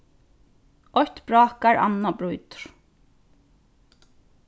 eitt brákar annað brýtur